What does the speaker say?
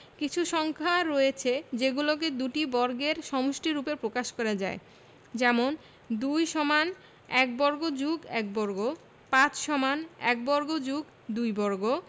কিছু সংখ্যা রয়েছে যেগুলোকে দুইটি বর্গের সমষ্টিরুপে প্রকাশ করা যায় যেমনঃ ২ = ১ বর্গ + ১ বর্গ ৫ = ১ বর্গ + ২ বর্গ